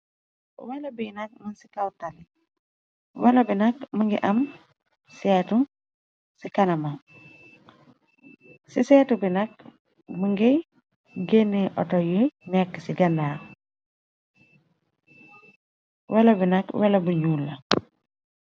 Walo bi nak mën ci kawtalli walo bi nakk më ngi am seetu ci kanama ci seetu bi nakk më nga genni auto yu nekk ci ganaar wala bi nag wala bu ñyuulla.